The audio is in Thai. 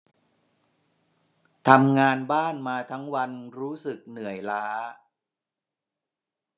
ทำงานบ้านมาทั้งวันรู้สึกเหนื่อยล้า